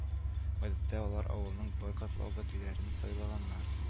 Гадәттә алар авылның бай катлау вәкилләреннән сайланганнар